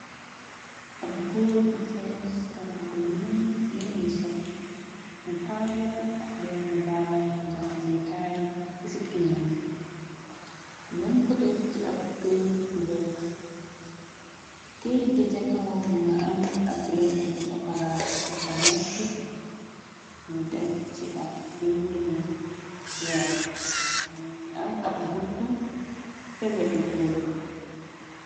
Ab góor gu xees karaw gu ñyuul yeeni soq mu tàlal ab benn baaraanu jaxañiy kaayam ca sikki nëmb ñun ko def ci ab këyit gu weex këyit ga ja kaw mu nga am ab rëddibu sokola bu fa nekk ñu def ci ab bind bu weex ño nga am ab gutu ca wetu góorga.